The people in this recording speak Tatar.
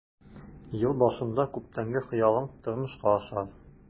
Ел башында күптәнге хыялың тормышка ашар.